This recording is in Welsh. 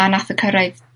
a nath o cyrraedd